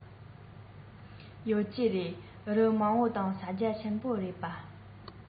ཡོད ཀྱི རེད རི མང པོ དང ས རྒྱ ཆེན པོ རེད པ